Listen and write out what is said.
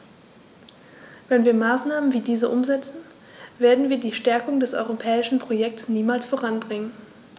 Wenn wir Maßnahmen wie diese umsetzen, werden wir die Stärkung des europäischen Projekts niemals voranbringen.